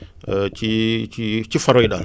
ci ci ci faro yi daal